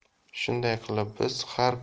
shunday qilib biz har